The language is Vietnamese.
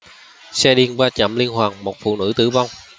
xe điên va chạm liên hoàn một phụ nữ tử vong